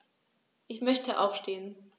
Ich möchte aufstehen.